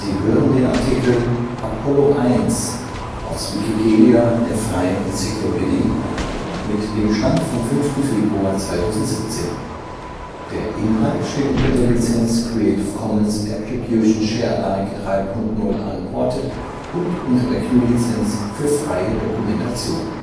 hören den Artikel Apollo 1, aus Wikipedia, der freien Enzyklopädie. Mit dem Stand vom Der Inhalt steht unter der Lizenz Creative Commons Attribution Share Alike 3 Punkt 0 Unported und unter der GNU Lizenz für freie Dokumentation